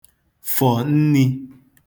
fọ̀ nnī